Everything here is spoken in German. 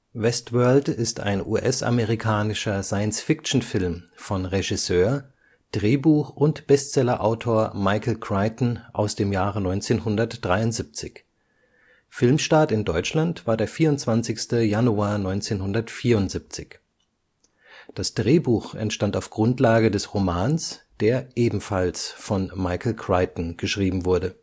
Westworld ist ein US-amerikanischer Science-Fiction-Film von Regisseur, Drehbuch - und Bestsellerautor Michael Crichton aus dem Jahre 1973. Filmstart in Deutschland war der 24. Januar 1974. Das Drehbuch entstand auf Grundlage des Romans, der ebenfalls von Michael Crichton geschrieben wurde